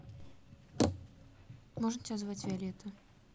можно тебя звать виолетта